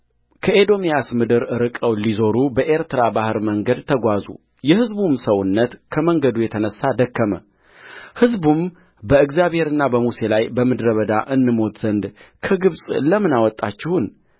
ከኤዶምያስ ምድር ርቀው ሊዞሩ በኤርትራ ባሕር መንገድ ተጓዙ የሕዝቡም ሰውነት ከመንገዱ የተነሣ ደከመሕዝቡም በእግዚአብሔርና በሙሴ ላይ በምድረ በዳ እንሞት ዘንድ ከግብፅ ለምን አወጣችሁን